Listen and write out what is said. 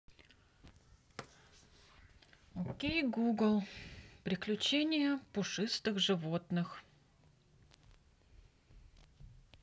окей гугл приключения пушистых животных